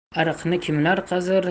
ariqni kimlar qazir